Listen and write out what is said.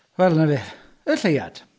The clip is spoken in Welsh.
Wel nawr de, y Lleuad.